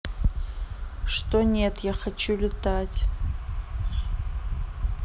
что нет я хочу летать